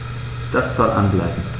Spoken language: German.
Das soll an bleiben.